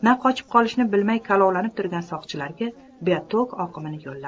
na qochib qolishni bilmay kalovlanib turgan soqchilarga biotok oqimini yo'llab